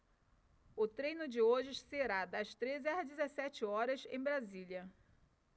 o treino de hoje será das treze às dezessete horas em brasília